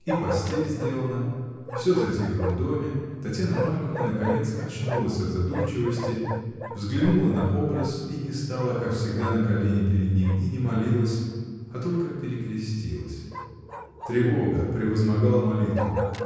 И постель сделана, всё затихло в доме, Татьяна Марковна наконец очнулась от задумчивости, взглянула на образ и не стала, как всегда, на колени перед ним, и не молилась, а только перекрестилась. Тревога превозмогала молитву.